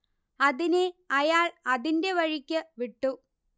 അതിനെ അയാൾ അതിന്റെ വഴിക്ക് വിട്ടു